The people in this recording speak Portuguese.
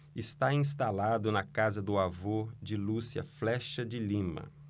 está instalado na casa do avô de lúcia flexa de lima